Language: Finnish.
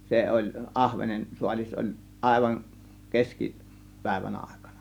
se oli ahvenen saalis oli aivan - keskipäivän aikana